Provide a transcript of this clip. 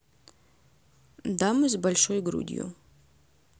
дамы с большой грудью